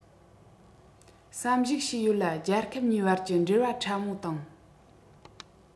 བསམ གཞིགས བྱས ཡོད ལ རྒྱལ ཁབ གཉིས བར གྱི འབྲེལ བ ཕྲ མོ དང